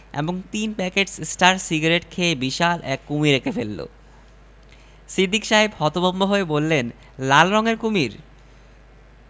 খুঁড়ে পুকুরের মৃত করা হল সাইনবোর্ডে লেখা হল সাবধান সাবধান সাবধান জলে কুমীর আছে গোসল কাপড় কাচা নিষিদ্ধ